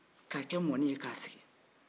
ka kɛ mɔni ye ka sigi